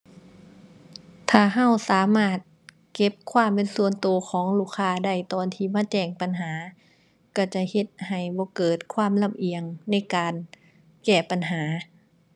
ถ้าเราสามารถเก็บความเป็นส่วนเราของลูกค้าได้ตอนที่มาแจ้งปัญหา เราจะเฮ็ดให้บ่เกิดความลำเอียงในการแก้ปัญหา